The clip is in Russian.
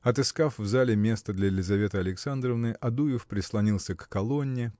Отыскав в зале место для Лизаветы Александровны Адуев прислонился к колонне